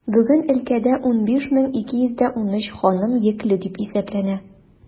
Бүген өлкәдә 15213 ханым йөкле дип исәпләнә.